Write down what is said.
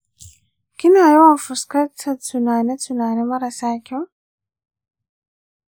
kina yawan fuskantar tunane-tunane marasa kyau?